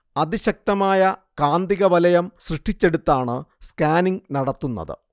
അതിശക്തമായ കാന്തിക വലയം സൃഷ്ടിച്ചെടുത്താണ് സ്കാനിങ് നടത്തുന്നത്